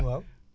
waaw